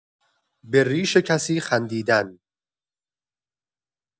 به ریش کسی خندیدن